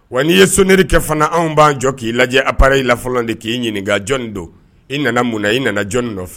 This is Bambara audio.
Wa n'i ye sunerikɛ fana anw b'an jɔ k'i lajɛ apra i la fɔlɔ de k'i ɲininka jɔn don i nana mun na i nana jɔnni nɔfɛ